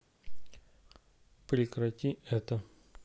прекрати это